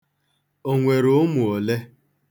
O nwere ụmụ ole?